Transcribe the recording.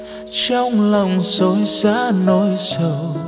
trong lòng rộn rã nỗi sầu